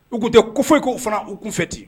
U tunu tɛ ko foyiko fana u kunfɛ ten